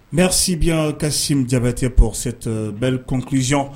Nsibiya kasi ja tɛ pɔstɔ berelkz